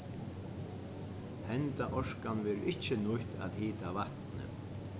henda orkan verður ikki nýtt at hita vatnið